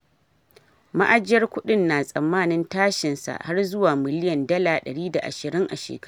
Ma’ajiyar kudin na tsammanin tashin sa har zuwa miliyan £120 a shekara.